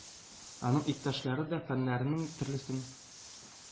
Анын иптәшләре дә фәннәрнең, төрлесен,